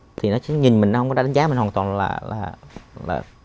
thì nó chỉ nhìn mình nó không có đánh giá mình hoàn toàn là là là